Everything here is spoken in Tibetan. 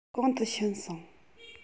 གང དུ ཕྱིན སོང